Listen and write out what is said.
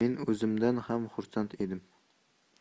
men o'zimdan ham xursand edim